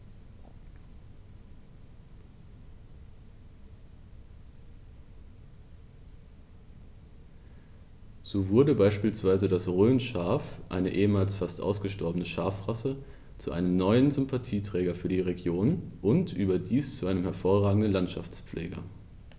So wurde beispielsweise das Rhönschaf, eine ehemals fast ausgestorbene Schafrasse, zu einem neuen Sympathieträger für die Region – und überdies zu einem hervorragenden Landschaftspfleger.